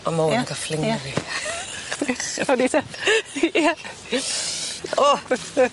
On' ma' 'wn yn gyffling yno fi. Reit. Sori de. Ia. O!